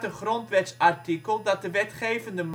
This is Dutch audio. grondwetsartikel dat de wetgevende